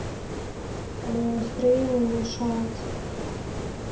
а мое настроение уменьшается